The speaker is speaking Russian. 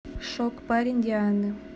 шок парень дианы